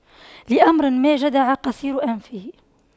لأمر ما جدع قصير أنفه